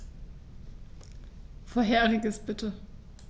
Vorheriges bitte.